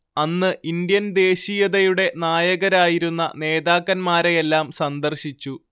അന്ന് ഇൻഡ്യൻ ദേശീയതയുടെ നായകരായിരുന്ന നേതാക്കന്മാരെയെല്ലാം സന്ദർശിച്ചു